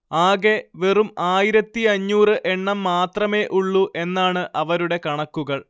ആകെ വെറും ആയിരത്തിയഞ്ഞൂറ് എണ്ണം മാത്രമേ ഉള്ളൂ എന്നാണ് അവരുടെ കണക്കുകൾ